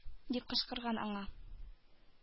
Дип кычкырган аңа.